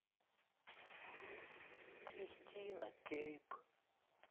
кристина кейп